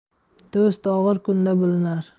do'st og'ir kunda bilinar